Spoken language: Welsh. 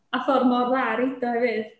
A ffordd mor dda o roid o hefyd.